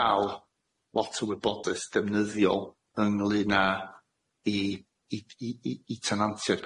dal lot o wybodaeth defnyddiol ynglŷn â i i i i i tenantiaid,